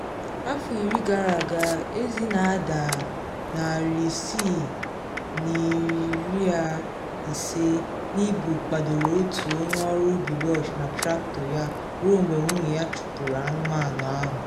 Afọ iri gara aga, ezi na ada 650 n’ibu kpadoro otu onye ọrụ ubi Welsh na traktọ ya ruo mgbe nwunye ya chụpụrụ anụmanụ ahụ.